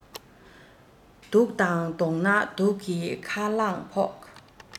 དུག དང བསྡོངས ན དུག གི ཁ རླངས ཕོག